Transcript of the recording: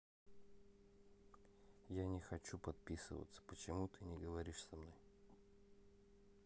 я не хочу подписываться почему ты не говоришь со мной